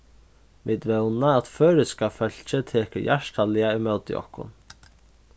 vit vóna at føroyska fólkið tekur hjartaliga ímóti okkum